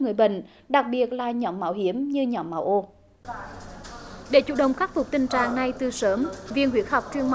người bệnh đặc biệt là nhóm mạo hiểm như nhóm máu ô ô để chủ động khắc phục tình trạng này từ sớm viên huyết học truyền máu